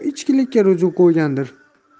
deb ichkilikka ruju qo'ygandir